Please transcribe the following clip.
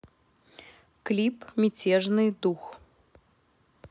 клип мятежный дух